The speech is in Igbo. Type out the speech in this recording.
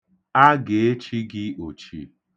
A ga-echi gị ochi.